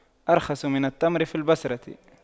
أرخص من التمر في البصرة